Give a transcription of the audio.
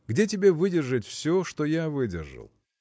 где тебе выдержать все, что я выдержал?